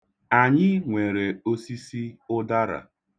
Anyị nwere osisi ụdara.